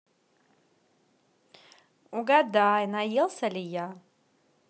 угадай наелся ли я